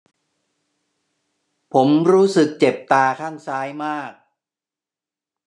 ผมรู้สึกเจ็บตาข้างซ้ายมาก